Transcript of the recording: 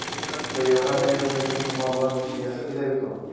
Тыелган әйберне гел комарланып җыясы килә бит ул.